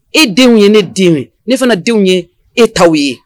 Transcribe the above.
E denw ye ne denw ye ne fana denw ye e taaw ye.